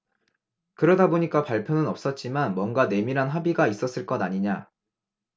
그러다 보니까 발표는 없었지만 뭔가 내밀한 합의가 있었을 것 아니냐